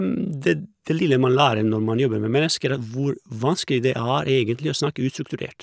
det Det lille man lærer når man jobber med mennesker at hvor vanskelig det er egentlig å snakke ustrukturert.